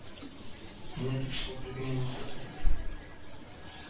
Менә тик шул бер генә нәрсә кирәк